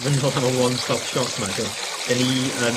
fynd nôl am y one stop shop 'ma t'w'od 'dyn ni yn...